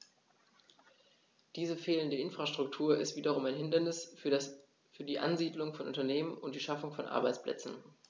Diese fehlende Infrastruktur ist wiederum ein Hindernis für die Ansiedlung von Unternehmen und die Schaffung von Arbeitsplätzen.